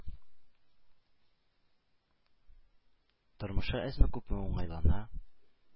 Тормышы әзме-күпме уңайлана,